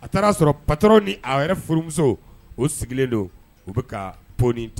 A taara'a sɔrɔ pattarow ni a yɛrɛ furumuso o sigilen don u bɛ ka paulɔni ta